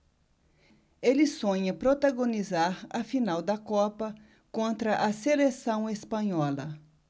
ele sonha protagonizar a final da copa contra a seleção espanhola